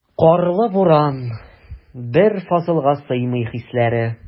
Карлы буран, бер фасылга сыймый хисләре.